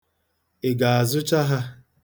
Ị ga-azụcha ha?